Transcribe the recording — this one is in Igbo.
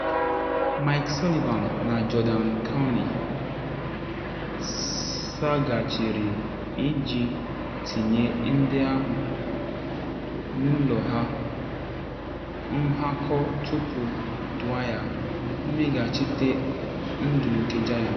Mike Sullivan na Jordan Cownie saghachiri iji tinye ndị ahụ n’ụlọ na nhakọ tupu Dwyer eweghachite ndu nke Giants.